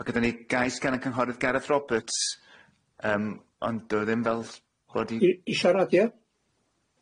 Ma' gyda ni gais gan y cynghorydd Gareth Roberts yym ond dyw e ddim fel bod i... I i siarad ia?